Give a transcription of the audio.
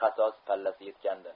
qasos pallasi yetgandi